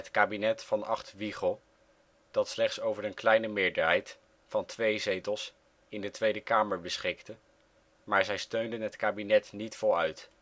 kabinet Van Agt-Wiegel, dat slechts over een kleine meerderheid van twee zetels in de Tweede Kamer beschikte, maar zij steunden het kabinet niet voluit